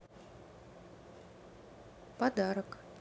подарок